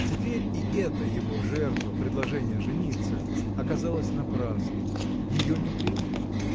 Теперь и эта его жертва — предложение жениться — оказалась напрасною. Ее не приняли.